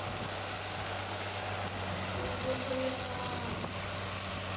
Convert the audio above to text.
хуеплет